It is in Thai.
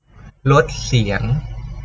ลดเสียง